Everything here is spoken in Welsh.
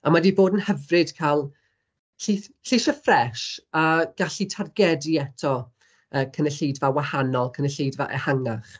A ma' 'di bod yn hyfryd cael lleith- lleisiau ffresh a gallu targedu eto yy cynulleidfa wahanol, cynulleidfa ehangach.